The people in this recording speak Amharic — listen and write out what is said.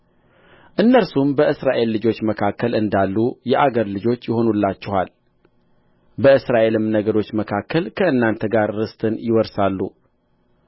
እነርሱም በእስራኤል ልጆች መካከል እንዳሉ የአገር ልጆች ይሆኑላችኋል በእስራኤልም ነገዶች መካከል ከእናንተ ጋር ርስትን ይወርሳሉ